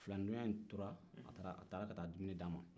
filanitɔɲɔgɔn tora ka taa dumuni d'a ma